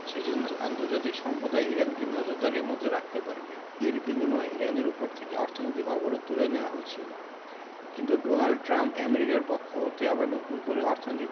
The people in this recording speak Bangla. সে জন্য আন্তর্জাতিক সম্প্রদায় ইরানকে নজরদারির মধ্যে রাখতে পারবে এর বিনিময়ে ইরানের ওপর থেকে অর্থনৈতিক অবরোধ তুলে নেওয়া হয়েছিল কিন্তু ডোনাল্ড ট্রাম্প আমেরিকার পক্ষ থেকে আবার নতুন করে অর্থনৈতিক